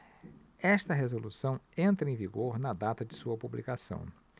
esta resolução entra em vigor na data de sua publicação